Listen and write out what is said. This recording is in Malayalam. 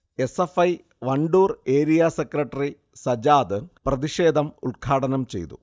S. F. I. Wandoor area secretary Sajad പ്രതിഷേധം ഉദ്ഘാടനം ചെയ്തു